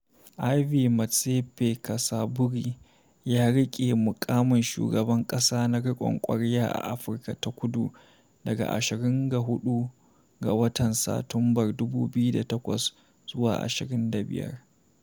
Ivy Matsepe-Cassaburi ya riƙe muƙamin Shugaban ƙasa na riƙon ƙwarya a Afirka ta Kudu daga 24 ga watan Satumbar 2008 zuwa 25.